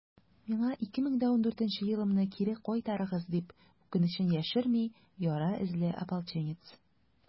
«миңа 2014 елымны кире кайтарыгыз!» - дип, үкенечен яшерми яра эзле ополченец.